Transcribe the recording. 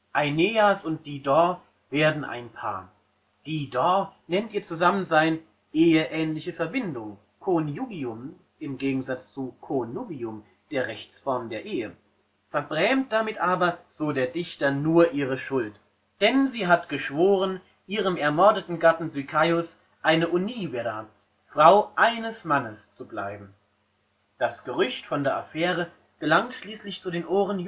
Aeneas und Dido werden ein Paar; Dido nennt ihr Zusammensein „ eheähnliche Verbindung “(coniugium im Gegensatz zu conubium, der Rechtsform der Ehe), verbrämt damit aber, so der Dichter, nur ihre Schuld: denn sie hat geschworen, ihrem ermordeten Gatten Sychaeus eine univira (Frau eines Mannes) zu bleiben. Das Gerücht von der Affäre gelangt schließlich zu den Ohren